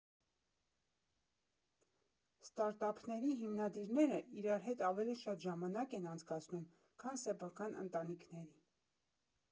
Ստարտափների հիմնադիրները իրար հետ ավելի շատ ժամանակ են անցկացնում, քան սեփական ընտանիքների։